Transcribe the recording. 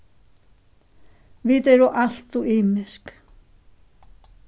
vit eru alt ov ymisk